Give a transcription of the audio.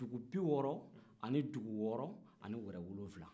dugu bi wɔɔrɔ ani dugu wɔɔrɔ ani wɛrɛ wolonwula